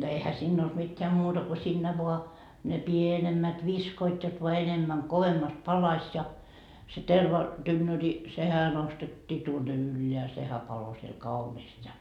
no eihän siinä ollut mitään muuta kuin siinä vain ne pienemmät viskoivat jotta vain enemmän kovemmasti palaisi ja - tervatynnyri sehän nostettiin tuonne ylös sehän paloi siellä kauniisti ja